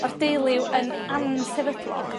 ma'r deuliw yn ansefydlog